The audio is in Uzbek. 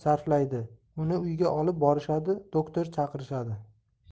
sarflaydi uni uyga olib borishadi doktor chaqirishadi